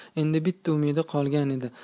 endi bitta umidi qolgan edi